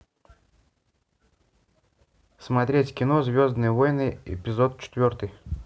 смотреть кино звездные войны эпизод четвертый